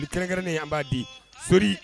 Ni kɛrɛnnen an b'a di so